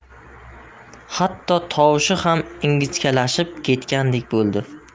hatto tovushi ham ingichkalashib ketgandek bo'ldi